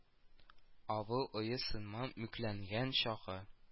Авыл өе сыман мүкләнгән чагы